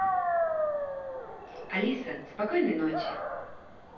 алиса спокойной ночи